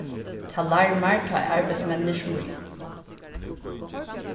tað larmar tá arbeiðsmenninir smíða